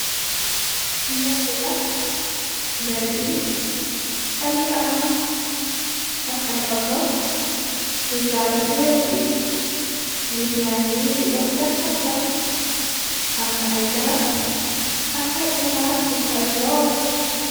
Mbedd bi talila am ak ay otto yu gaare ci wet bi. Nit ya ngi ni di dox seen soxla. Amna ay garap ak ay étas yu kawe lool.